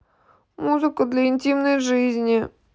музыка для интимной жизни